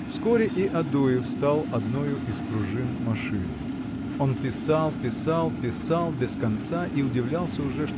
Вскоре и Адуев стал одною из пружин машины. Он писал писал писал без конца и удивлялся уже